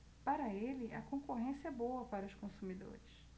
para ele a concorrência é boa para os consumidores